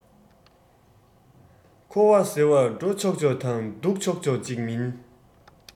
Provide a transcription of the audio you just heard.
འཁོར བ ཟེར བ འགྲོ ཆོག ཆོག དང འདུག ཆོག ཆོག ཅིག མིན